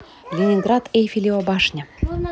ленинград эйфелева башня